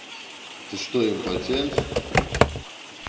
ты что импотент